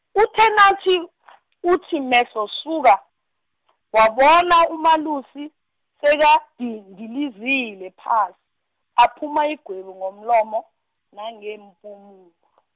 uthe nathi , uthi mehlo suka , wabona uMalusi, sekadindilizile phasi, aphuma igwebu ngomlomo, nangeempumu- .